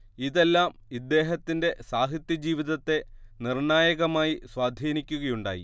ഇതെല്ലാം ഇദ്ദേഹത്തിന്റെ സാഹിത്യജീവിതത്തെ നിർണായകമായി സ്വാധീനിക്കുകയുണ്ടായി